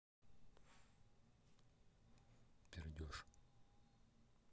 пердеж